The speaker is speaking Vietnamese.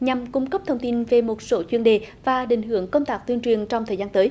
nhằm cung cấp thông tin về một số chuyên đề và định hướng công tác tuyên truyền trong thời gian tới